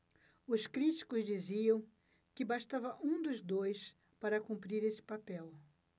os críticos diziam que bastava um dos dois para cumprir esse papel